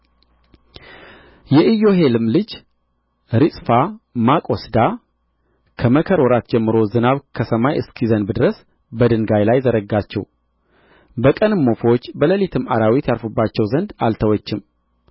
የኢዮሄልም ልጅ ሪጽፋ ማቅ ወስዳ ከመከር ወራት ጀምሮ ዝናብ ከሰማይ እስኪዘንብ ድረስ በድንጋይ ላይ ዘረጋችው በቀንም ወፎች በሌሊትም አራዊት ያርፉባቸው ዘንድ አልተወችም